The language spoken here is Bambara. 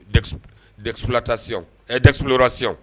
D'ex d'exploitation ee d'exploration